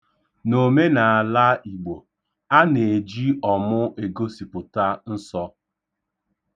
N'omenaala Igbo, a na-eji ọmụ egosipụta nsọ.